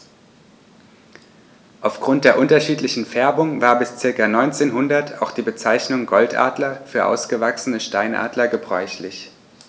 Auf Grund der unterschiedlichen Färbung war bis ca. 1900 auch die Bezeichnung Goldadler für ausgewachsene Steinadler gebräuchlich.